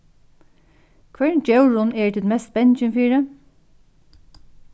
hvørjum djórum eru tit mest bangin fyri